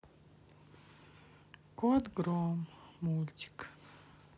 кот гром мультик